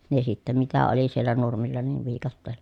ne sitten mitä oli siellä nurmilla niin viikatteella